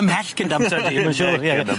Ymhell cyn dy amser di dwi'n siŵr ie ie.